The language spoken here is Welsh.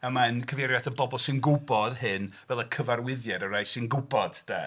A mae'n cyfeirio at y bobl sy'n gwybod hyn fel y cyfarwyddiad, y rhai sy'n gwybod de.